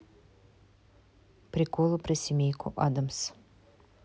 приколы про семейку адамс